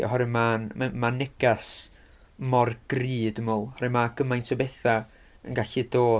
Oherwydd mae'n ma' mae'n neges mor gry, dwi meddwl, oherwydd mae gymaint o bethau yn gallu dod.